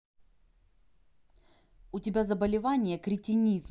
у тебя заболевание кретинизм